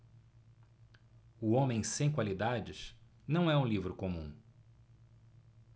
o homem sem qualidades não é um livro comum